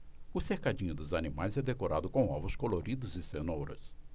o cercadinho dos animais é decorado com ovos coloridos e cenouras